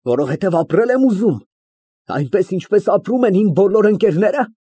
Որովհետև ապրե՞լ եմ ուզում։ Այնպես, ինչպես ապրում են իմ բոլոր ընկերնե՞րը։